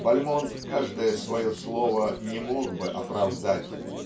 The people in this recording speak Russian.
Бальмонт каждое свое слово не мог бы оправдать.